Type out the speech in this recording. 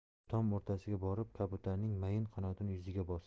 u tom o'rtasiga borib kabutarning mayin qanotini yuziga bosdi